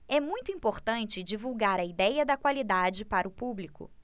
é muito importante divulgar a idéia da qualidade para o público